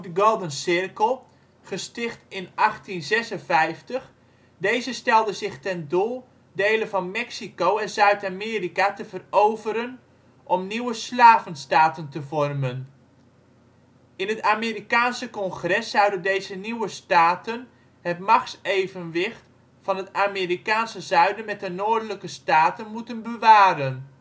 Golden Circle, gesticht in 1856. Deze stelden zich ten doel delen van Mexico en Zuid-Amerika te veroveren om nieuwe slavenstaten te vormen. In het Amerikaanse Congres zouden deze nieuwe staten het machtsevenwicht van het Amerikaanse Zuiden met de Noordelijke staten moeten bewaren